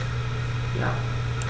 Ja.